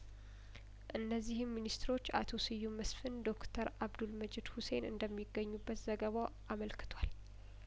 እነዚህም ሚንስትሮች አቶ ስዩም መስፍን ዶክተር አብዱል መጂድ ሁሴን እንደሚገኙበት ዘገባው አመልክቷል